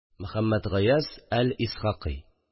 Мөхәммәтгаяз әл-Исхакый